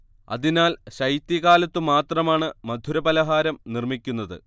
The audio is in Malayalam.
അതിനാൽ ശൈത്യകാലത്തു മാത്രമാണ് മധുരപലഹാരം നിർമ്മിക്കുന്നത്